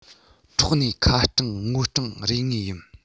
འཕྲོག ནས ཁ སྐྲང ངོ སྐྲང རེད ངེས ཡིན